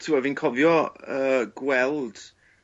T'wbo' fi'n cofio yy gweld